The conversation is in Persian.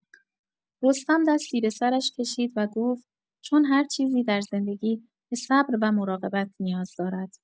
رستم دستی به سرش کشید و گفت: «چون هر چیزی در زندگی به صبر و مراقبت نیاز دارد.»